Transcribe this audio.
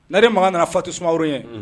Nare makan nana fatu sumaworo ɲɛ.un